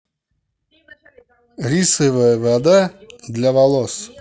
рисовая вода для волос